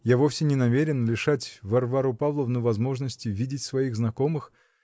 Я вовсе не намерен лишать Вар-- вару Павловну возможности видеть своих знакомых